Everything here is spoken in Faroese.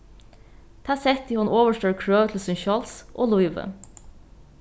tá setti hon ovurstór krøv til sín sjálvs og lívið